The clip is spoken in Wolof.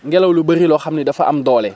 ngelaw lu bëri loo xam ne dafa am doole